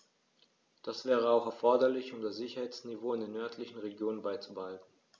Das wäre auch erforderlich, um das Sicherheitsniveau in den nördlichen Regionen beizubehalten.